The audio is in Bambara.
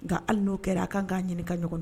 Nka hali n'o kɛra a ka kan k'a ɲininka a ɲɔgɔn na.